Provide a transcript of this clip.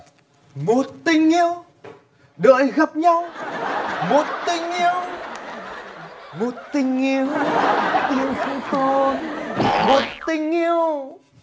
một tình yêu đợi gặp nhau một tình yêu một tình yêu yêu sớm tối một tình yêu